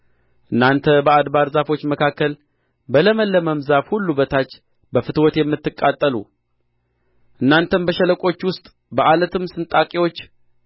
እናንተ በአድባር ዛፎች መካከል በለመለመም ዛፍ ሁሉ በታች በፍትወት የምትቃጠሉ እናንተም በሸለቆች ውስጥ በዓለትም ስንጣቂዎች